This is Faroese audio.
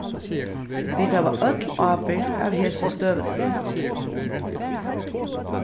vit hava øll ábyrgd av hesi støðuni